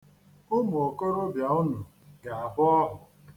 Ụmụokorobịa unu ga-ahụ ọhụ.